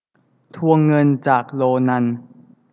ทวงเงินจากโรนัน